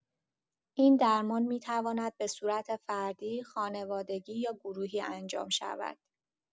این درمان می‌تواند به‌صورت فردی، خانوادگی یا گروهی انجام شود.